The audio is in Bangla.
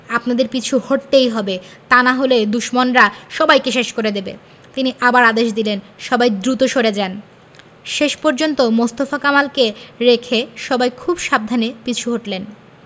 আপনাদের পিছু হটতেই হবে তা না হলে দুশমনরা সবাইকে শেষ করে দেবে তিনি আবার আদেশ দিলেন সবাই দ্রুত সরে যান শেষ পর্যন্ত মোস্তফা কামালকে রেখে সবাই খুব সাবধানে পিছু হটলেন